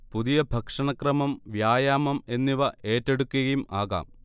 പുതിയ ഭക്ഷണ ക്രമം, വ്യായാമം എന്നിവ ഏറ്റെടുക്കുകയും ആകാമം